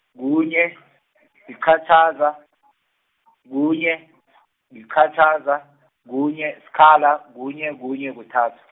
kunye, liqatjhaza, kunye, liqatjhaza, kunye, sikhala, kunye, kunye, kuthathu.